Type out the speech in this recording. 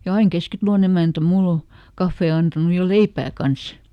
ja aina Keskitalon emäntä minulle on kahvia antanut ja leipää kanssa